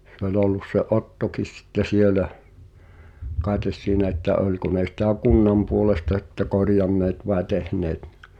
se oli ollut se Ottokin sitten siellä kai siinä että oliko ne sitä kunnan puolesta sitten korjanneet vai tehneet niin